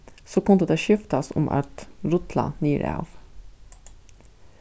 so kundu teir skiftast um at rulla niðurav